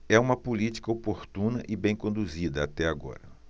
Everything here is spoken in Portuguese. é uma política oportuna e bem conduzida até agora